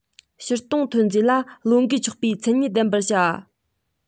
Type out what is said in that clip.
ཕྱིར གཏོང ཐོན རྫས ལ བློས འགེལ ཆོག པའི མཚན སྙན ལྡན པ བྱ དགོས